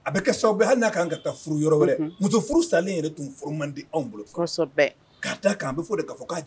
A bɛ furu yɔrɔ wɛrɛ muso furulen tun furu man di anw bolo ka ta k' bɛ fɔ de fɔ